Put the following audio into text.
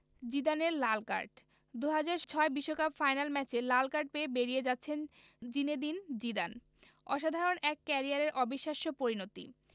জিদানের লাল কার্ড ২০০৬ বিশ্বকাপের ফাইনাল ম্যাচে লাল কার্ড পেয়ে বেরিয়ে যাচ্ছেন জিনেদিন জিদান অসাধারণ এক ক্যারিয়ারের অবিশ্বাস্য পরিণতি